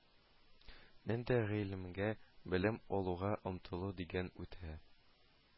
Нендә гыйлемгә, белем алуга омтылу дигән үтә